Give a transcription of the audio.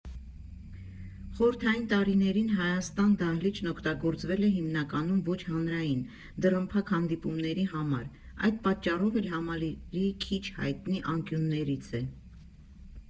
Խորհրդային տարիներին «Հայաստան» դահլիճն օգտագործվել է հիմնականում ոչ հանրային, դռնփակ հանդիպումների համար, այդ պատճառով էլ Համալիրի քիչ հայտնի անկյուններից է։